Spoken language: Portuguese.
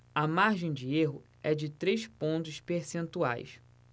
a margem de erro é de três pontos percentuais